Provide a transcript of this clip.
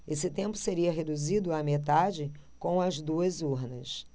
esse tempo seria reduzido à metade com as duas urnas